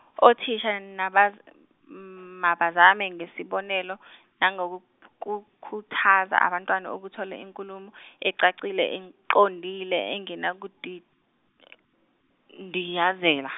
othisha naba- mabazame ngesibonelo, nangokukhuthaza abantwana ukuthola inkulumo echachile eqondile engenakundi- -diyazela.